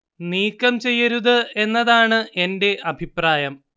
നീക്കം ചെയ്യരുത് എന്നതാണ് എന്റെ അഭിപ്രായം